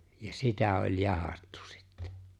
ja sitä oli jahdattu sitten